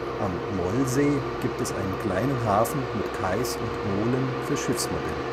Am Mollsee gibt es einen kleinen Hafen mit Kais und Molen für Schiffsmodelle